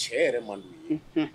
Cɛ yɛrɛ man don